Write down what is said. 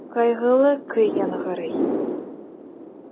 Кайгылы көй яңгырый.